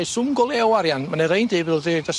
roi swm go lew o arian ma' 'ne rei'n deud y